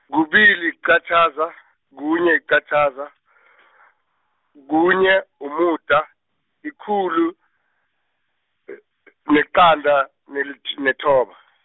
kubili liqatjhaza, kunye, yiqatjhaza , kunye, umuda, likhulu, neqanda nelit- nethoba.